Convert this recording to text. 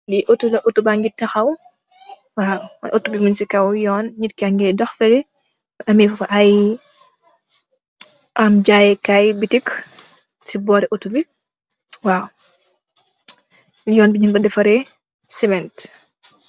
Lii Otto la, otto baañgi taxaw. Waaw, Otto bi muñg si kow Yoon, nit kaa ngee dox tiye ay jaayeekaay I bitic si boor I Otto bi, waaw. Yoon wi ñung ko defaree siment.